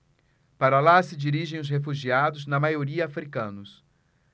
para lá se dirigem os refugiados na maioria hútus